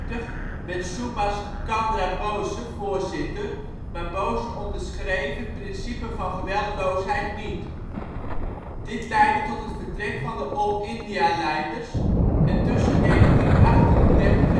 In 1938 werd Subhas Candra Bose voorzitter, maar Bose onderschreef het principe van geweldloosheid niet. Dit leidde tot het vertrek van de All-India-leiders en tussen 1938 en 1939